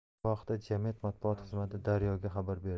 bu haqda jamiyat matbuot xizmati daryo ga xabar berdi